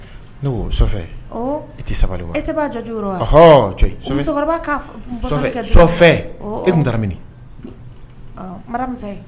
Ne tɛ sabali e tun